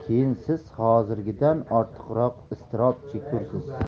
keyin siz hozirgidan ortiqroq iztirob chekursiz